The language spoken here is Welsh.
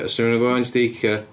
'Sa rhywun yn gwbo' faint 'di acre?